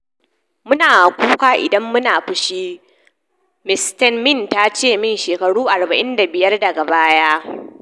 “Mu na kuka idan mu na fushi, "Ms. Steinem ta ce min shekaru 45 daga baya.